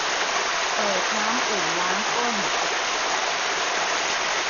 เปิดน้ำอุ่นล้างก้น